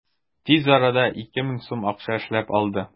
Тиз арада 2000 сум акча эшләп алды.